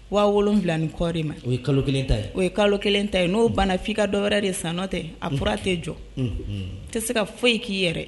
7000 ni kɔ o ye kalo kelen ta ye , n'o bana f'i ka dɔwɛrɛ de san, n'o tɛ a fura tɛ jɔ, i tɛ se ka foyi k'i yɛrɛ ye.